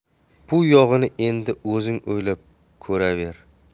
bu yog'ini endi o'zing o'ylab ko'raver